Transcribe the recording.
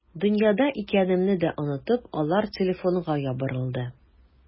Дөньяда икәнемне дә онытып, алар телефонга ябырылды.